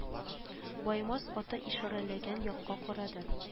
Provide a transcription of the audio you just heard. Баемас аты ишарәләгән якка карады